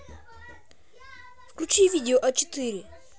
включи видео а четыре